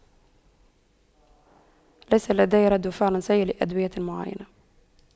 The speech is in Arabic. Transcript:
ليس لدي رد فعل سيء لأدوية معينة